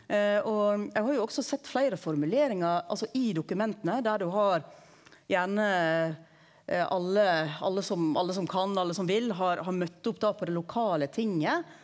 og eg har jo også sett fleire formuleringar altså i dokumenta der du har gjerne alle alle som alle som kan alle som vil har har møtt opp da på det lokale tinget.